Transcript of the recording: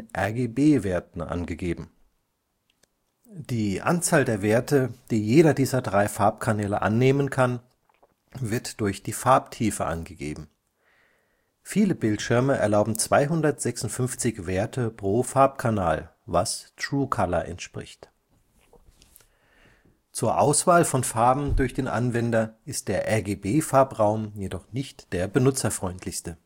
RGB -) Werten angegeben. Die Anzahl der Werte, die jeder dieser drei Farbkanäle annehmen kann, wird durch die Farbtiefe angegeben; viele Bildschirme erlauben 256 Werte pro Farbkanal (True Color). Zur Auswahl von Farben durch den Anwender ist der RGB-Farbraum jedoch nicht der benutzerfreundlichste